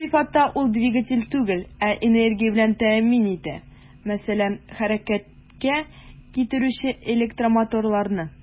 Бу сыйфатта ул двигатель түгел, ә энергия белән тәэмин итә, мәсәлән, хәрәкәткә китерүче электромоторларны.